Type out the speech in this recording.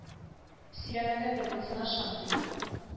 Сөйләмәгәндер монысына ышанмыйм